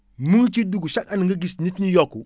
mu ngi ci dugg chaque année nga gis nit ñi yokk